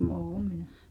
olen minä